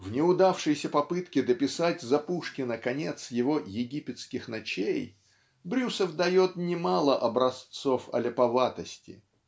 В неудавшейся попытке дописать за Пушкина конец его "Египетских ночей" Брюсов дает не мало образцов аляповатости.